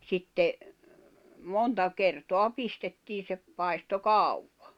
sitten monta kertaa pistettiin se paistoi kauan